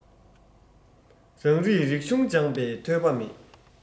རང རིགས རིག གཞུང སྦྱངས པའི ཐོས པ མེད